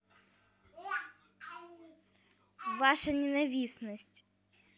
ваша ненависть